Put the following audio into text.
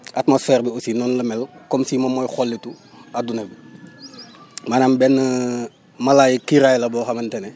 atmosphère bi aussi noonu la mel comme si moom mooy xollitu adduna bi maanaam benn malaay kiiraay la boo xamante ne